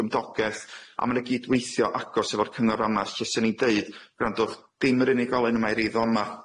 gymdogaeth a ma' na gyd weithio agos efo'r cyngor yma lle swn i'n deud gwrandwch dim yr unigolyn yma i'r eiddo yma,